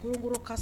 U' woro